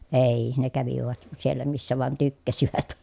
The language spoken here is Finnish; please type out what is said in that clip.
ei ne kävivät siellä missä vain tykkäsivät